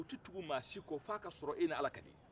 u tɛ tugu maa si kɔ fo n'a y'a sɔrɔ e ni ala ka di